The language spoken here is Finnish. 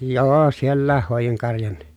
joo sielläkin hoidin karjankin